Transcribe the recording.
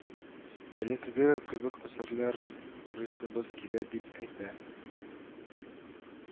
Элеккеге кебек әсәрләр карыйсыбыз килә дип әйтә